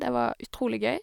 Det var utrolig gøy.